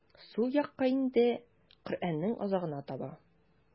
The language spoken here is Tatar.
Сул якка инде, Коръәннең азагына таба.